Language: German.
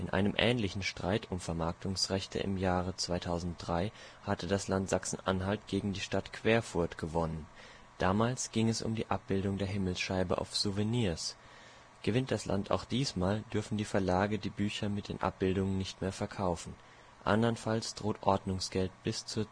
einem ähnlichen Streit um Vermarktungsrechte im Jahre 2003 hatte das Land Sachsen-Anhalt gegen die Stadt Querfurt gewonnen. Damals ging es um die Abbildung der Himmelsscheibe auf Souvenirs. Gewinnt das Land auch diesmal, dürfen die Verlage die Bücher mit den Abbildungen nicht mehr verkaufen. Andernfalls droht Ordnungsgeld bis zu